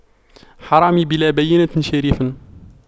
حرامي بلا بَيِّنةٍ شريف